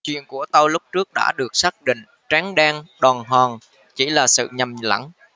chuyện của tôi lúc trước đã được xác định trắng đen đàng hoàng chỉ là sự nhầm lẫn